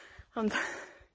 Ond,